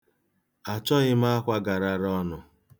Achọghị akwa garara ọnụ.